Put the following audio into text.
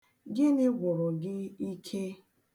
Gịnị gwụrụ gị ike?